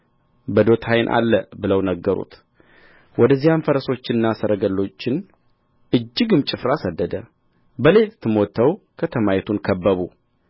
በዶታይን አለ ብለው ነገሩት ወደዚያም ፈረሶችንና ሰረገሎችን እጅግም ጭፍራ ሰደደ በሌሊትም መጥተው ከተማይቱን ከበቡ